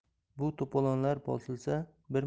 bu to'polonlar bosilsa bir